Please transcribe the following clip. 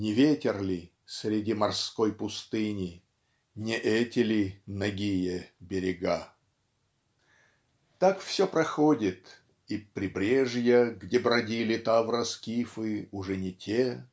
Не ветер ли среди морской пустыни? Не эти ли нагие берега? Так все проходит и "прибрежья где бродили тавро-скифы уже не те"